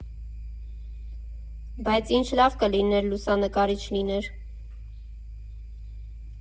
Բայց ինչ լավ կլիներ լուսանկարիչ լինեի։